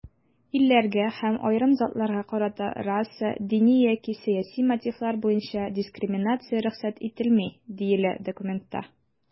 "илләргә һәм аерым затларга карата раса, дини яки сәяси мотивлар буенча дискриминация рөхсәт ителми", - диелә документта.